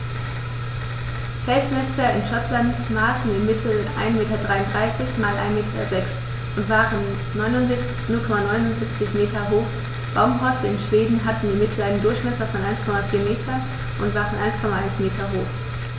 Felsnester in Schottland maßen im Mittel 1,33 m x 1,06 m und waren 0,79 m hoch, Baumhorste in Schweden hatten im Mittel einen Durchmesser von 1,4 m und waren 1,1 m hoch.